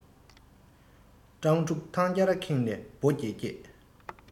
སྤྲང ཕྲུག ཐང རྒྱལ ཁེངས ནས སྦོ འགྱེད འགྱེད